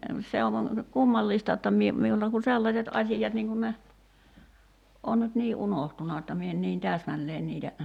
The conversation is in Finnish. se on kummallista että minä minulta kun sellaiset asiat niin kun ne on nyt niin unohtunut% supiini että minä en niin täsmälleen niitä